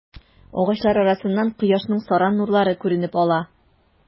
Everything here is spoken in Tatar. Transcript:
Агачлар арасыннан кояшның саран нурлары күренеп ала.